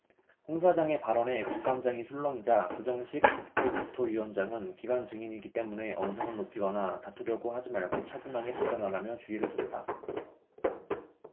홍 사장의 발언에 국감장이 술렁이자 조정식 국토교토위원장은 기관 증인이기 때문에 언성을 높이거나 다투려고 하지 말고 차분하게 답변하라며 주의를 줬다